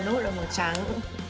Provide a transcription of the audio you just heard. nút và màu trắng